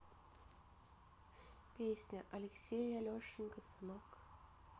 песня алексей алешенька сынок